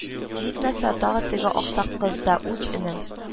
Җитмәсә, тагы теге аксак кыз да: "Үз энем